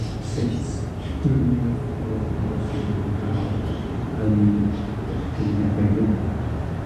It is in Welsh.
sut driniaeth o'dd y Palestinion yn ca'l yn 'u yy cymunedau hunan.